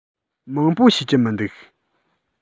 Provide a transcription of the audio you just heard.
མང པོ ཤེས ཀྱི མི འདུག